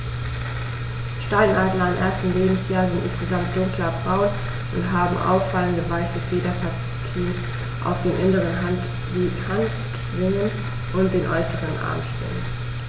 Steinadler im ersten Lebensjahr sind insgesamt dunkler braun und haben auffallende, weiße Federpartien auf den inneren Handschwingen und den äußeren Armschwingen.